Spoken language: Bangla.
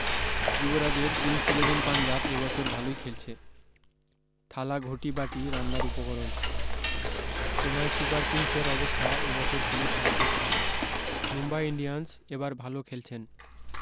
যুবরাজের কিংস ইলেভেন পাঞ্জাব এবছর ভালোই খেলছে থালা ঘটি বাটি রান্নার উপকরণ চেনায় সুপার কিংসের অবস্থা এবছর খুবি খারাপ মুম্বাই ইন্ডিয়ান্স এবার ভালো খেলছেন